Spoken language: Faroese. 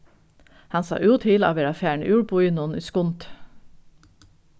hann sá út til at vera farin úr býnum í skundi